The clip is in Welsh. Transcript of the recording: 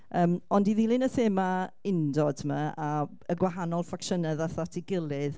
yym ond i ddilyn y thema undod 'ma, a'r gwahanol ffacsiynau aeth at ei gilydd,